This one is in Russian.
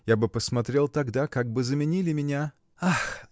я бы посмотрел тогда, как бы заменили меня. – Ах!